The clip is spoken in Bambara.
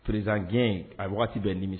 Peresisan gɛn a waati bɛ nimi